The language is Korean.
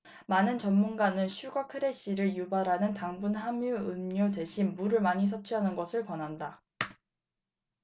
많은 전문가는 슈거 크래시를 유발하는 당분 함유 음료 대신 물을 많이 섭취할 것을 권한다